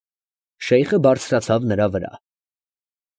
Շեյխը բարձրացավ նրա վրա։